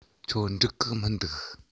ཁྱོད འགྲིག གི མི འདུག